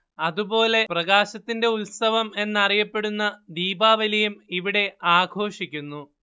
അതു പോലെ പ്രകാശത്തിന്റെ ഉത്സവം എന്നറിയപ്പെടുന്ന ദീപാവലിയും ഇവിടെ ആഘോഷിക്കുന്നു